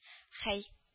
— һәй